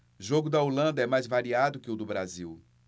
jogo da holanda é mais variado que o do brasil